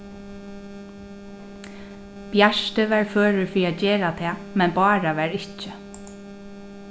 bjarti var førur fyri at gera tað men bára var ikki